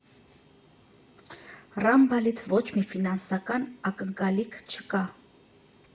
Ռամբալից ոչ մի ֆինանսական ակնկալիք չկա։